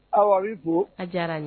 Awa n b'i fo. A diyara n ye!